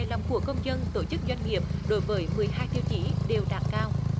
lòng của công dân tổ chức doanh nghiệp đối với mười hai tiêu chí đều đạt cao